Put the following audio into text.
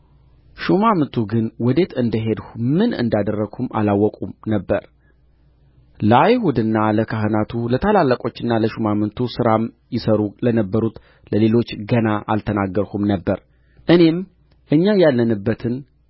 ሹማምቱ ግን ወዴት እንደ ሄድሁ ምን እንዳደረግሁም አላወቁም ነበር ለአይሁድና ለካህናቱ ለታላላቆችና ለሹማምቱም ሥራም ይሠሩ ለነበሩት ለሌሎች ገና አልተናገርሁም ነበር እኔም እኛ ያለንበትን